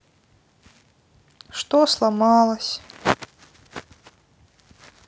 что сломалось